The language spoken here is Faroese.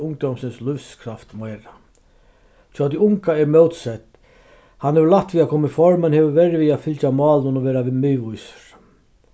ungdómsins lívskraft meira hjá tí unga er mótsett hann hevur lætt við at koma í form men hevur verri við at fylgja málinum og vera miðvísur